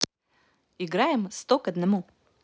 играем сто к одному